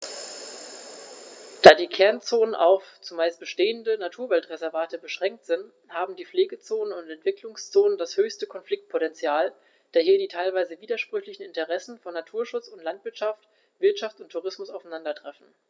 Da die Kernzonen auf – zumeist bestehende – Naturwaldreservate beschränkt sind, haben die Pflegezonen und Entwicklungszonen das höchste Konfliktpotential, da hier die teilweise widersprüchlichen Interessen von Naturschutz und Landwirtschaft, Wirtschaft und Tourismus aufeinandertreffen.